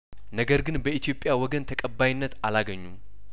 ነገር ግን በኢትዮጵያ ወገን ተቀባይነት አላገኙም